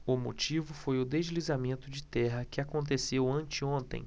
o motivo foi o deslizamento de terra que aconteceu anteontem